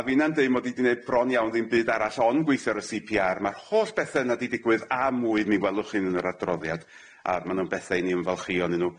A finna'n deud mod i 'di neud bron iawn ddim byd arall on gweithio ar y See Pee Are ma'r holl bethe yna 'di digwydd a mwy mi welwch chi yn yr adroddiad a ma' nw'n bethe i ni ymfalchio ynnyn nw.